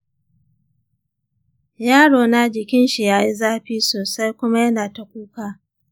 yaro na jikin shi yayi zafi sosai kuma yana ta kuka